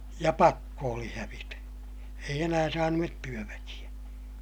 ja pakko oli hävitä ei enää saaneet työväkeä